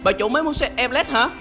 bà chủ mới mua xe em lét hả